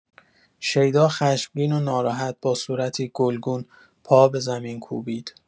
شیدا خشمگین و ناراحت با صورتی گلگون پا به زمین کوبید